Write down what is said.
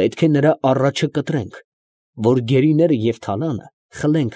պետք է նրա առաջը կտրենք, որ գերիները ու թալանը խլենք։